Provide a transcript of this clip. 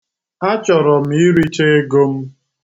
A chọrọ m iricha ego m.